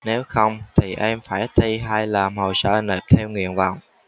nếu không thì em phải thi hay làm hồ sơ nộp theo nguyện vọng